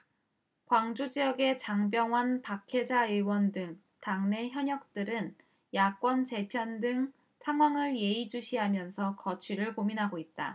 광주지역의 장병완 박혜자 의원 등 당내 현역들은 야권 재편 등 상황을 예의주시하면서 거취를 고민하고 있다